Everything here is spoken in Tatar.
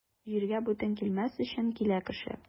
Җиргә бүтән килмәс өчен килә кеше.